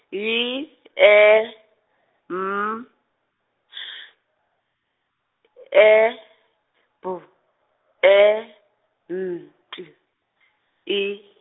Y E, M, S, E, B, E, N T, I.